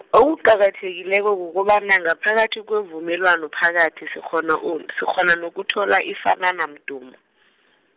okuqakathekileko kukobana ngaphakathi kwevumelwano phakathi sikghona u- sikghona nokuthola ifanana mdumo.